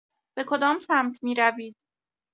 به کدام سمت می‌روید؟